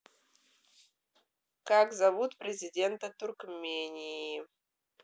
как зовут президента туркмении